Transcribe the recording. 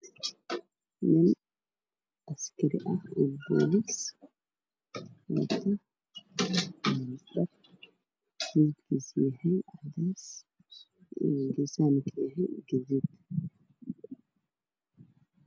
Nin askari ah waxuu wataa dhar cadeys ah geesahana gaduud ka ah.